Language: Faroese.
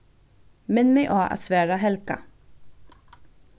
minn meg á at svara helga